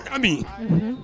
Mi